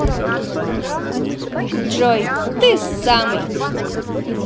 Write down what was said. джой ты самый